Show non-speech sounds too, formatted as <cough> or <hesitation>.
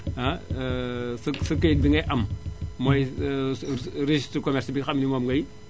<noise> <hesitation> sa sa kayit <noise> bi ngay am mooy <hesitation> régistre commerce xam ne nii moom ngay